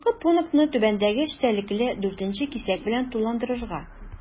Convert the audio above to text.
Соңгы пунктны түбәндәге эчтәлекле 4 нче кисәк белән тулыландырырга.